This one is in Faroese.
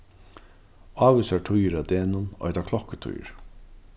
ávísar tíðir á degnum eita klokkutíðir